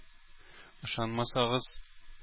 Ышанмасагыз